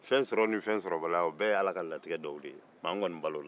fɛn sɔrɔ ni fɛn sɔrɔbaliya o bɛɛ ye ala ka latigɛw de ye